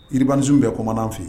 Yiribans bɛ kɔnɔnaman fɛ yen